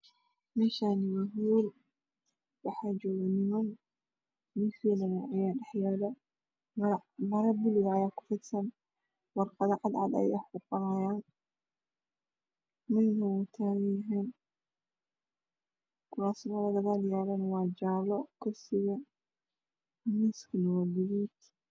Meshaani waa hool waxaa joogan niman miis ayaa dhex yala mara buluga ayaa ku fidsan warqado cad cad ayaa saran midna wuu tagan yahay kurasta mesha talana waa jaalo miskuna waa buluug